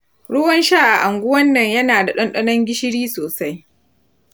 ruwan sha a anguwan nan yana da ɗanɗanon gishiri sosai.